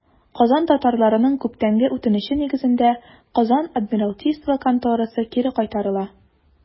Казан татарларының күптәнге үтенече нигезендә, Казан адмиралтейство конторасы кире кайтарыла.